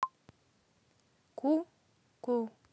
ку ку